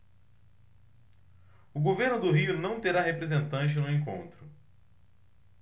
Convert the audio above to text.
o governo do rio não terá representante no encontro